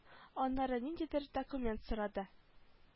Аннары ниндидер документ сорады